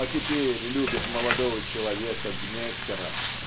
а теперь любит молодого человека Гнеккера.